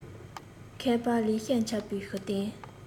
མཁས པ ལེགས བཤད འཆད པའི ཞུ རྟེན